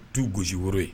Tu gosi woro ye